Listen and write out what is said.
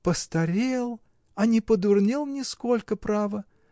Постарел, а не подурнел нисколько, право.